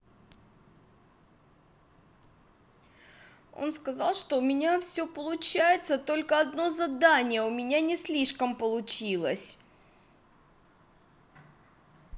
он сказал что у меня все получается только одно задание у меня не слишком получилось